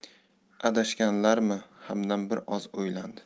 adashganlarmi hamdam bir oz o'ylandi